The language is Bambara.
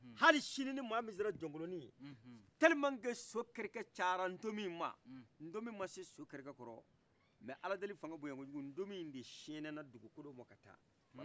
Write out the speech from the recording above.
ali sini mɔgɔ min seera jɔnkoloniye telima ke so kɛrɛkɛ cayara ntomin ma ntomi mase so kɛrɛ kɔrɔ mais ala deli fanga boyan kojugu ntomin de sɛnɛladugukolo ma ka taa